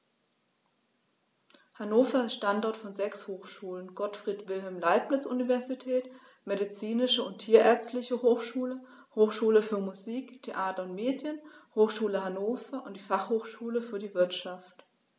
Hannover ist Standort von sechs Hochschulen: Gottfried Wilhelm Leibniz Universität, Medizinische und Tierärztliche Hochschule, Hochschule für Musik, Theater und Medien, Hochschule Hannover und die Fachhochschule für die Wirtschaft.